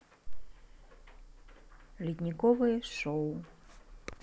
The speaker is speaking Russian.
ледниковое шоу